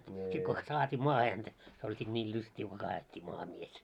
sitten konsa saatiin maahan häntä se oli sitten niille lystiä kun kaadettiin maahan mies